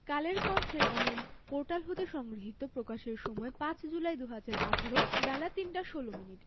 কালের কন্ঠের online portal হতে সংগৃহীত প্রকাশের সময় ৫ জুলাই ২০১৮ বেলা ৩টা ১৬ মিনিট